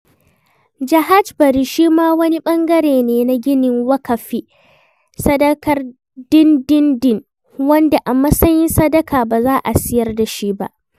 Jahaj Bari shi ma wani ɓangare ne na ginin waƙafi (sadakar dindindin), wanda a matsayin sadaka, ba za a siyar da shi ba.